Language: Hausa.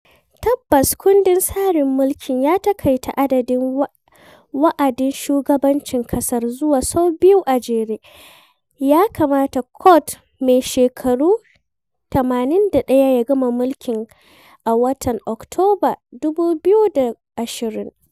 Tabbas kundin tsarin mulki ya taƙaita adadin wa’adin shugabancin ƙasar zuwa sau biyu a jere. Ya kamata Code, mai shekaru 81, ya gama mulki a watan Oktoba 2020